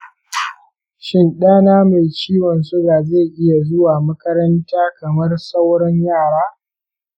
shin ɗana mai ciwon suga zai iya zuwa makaranta kamar sauran yara?